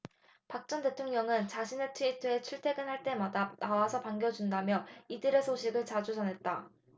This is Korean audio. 박 전 대통령은 자신의 트위터에 출퇴근할 때마다 나와서 반겨준다며 이들의 소식을 자주 전했다